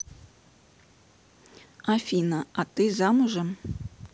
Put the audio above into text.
афина а ты замужем